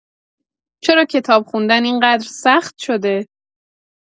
چرا کتاب خوندن این‌قدر سخت شده؟